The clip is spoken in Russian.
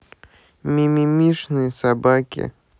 мимимишные собаки